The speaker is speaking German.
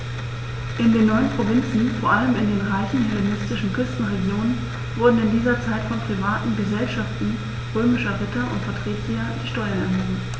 In den neuen Provinzen, vor allem in den reichen hellenistischen Küstenregionen, wurden in dieser Zeit von privaten „Gesellschaften“ römischer Ritter und Patrizier die Steuern erhoben.